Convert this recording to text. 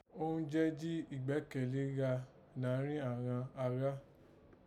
Ó ń jẹ́ jí ìgbẹ́kẹ̀lé gha nàárín àghan ará